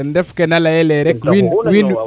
ten ref keena leyele yit wiin wiin